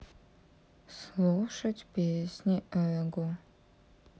слушать песни эго